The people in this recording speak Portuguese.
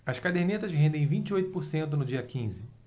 as cadernetas rendem vinte e oito por cento no dia quinze